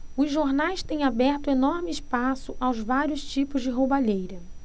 os jornais têm aberto enorme espaço aos vários tipos de roubalheira